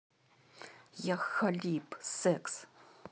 jah khalib секс